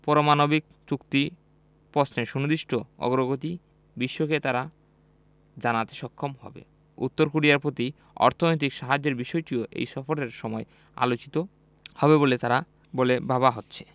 প রমাণবিক চুক্তি প্রশ্নে সুনির্দিষ্ট অগ্রগতি বিষয়ে বিশ্বকে তারা জানাতে সক্ষম হবে উত্তর কোরিয়ার প্রতি অর্থনৈতিক সাহায্যের বিষয়টিও এই সফরের সময় আলোচিত হবে বলে তারা বলে ভাবা হচ্ছে